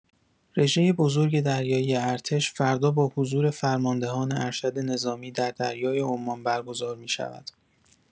رژه بزرگ دریایی ارتش فردا با حضور فرماندهان ارشد نظامی در دریای عمان برگزار می‌شود.